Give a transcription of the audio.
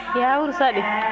yawuri sadi